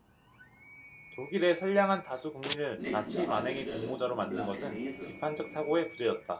독일의 선량한 다수 국민을 나치 만행의 공모자로 만든 것은 비판적 사고의 부재였다